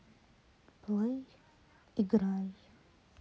плей играй